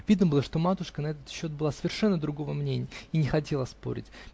Видно было, что матушка на этот счет была совершенно другого мнения и не хотела спорить.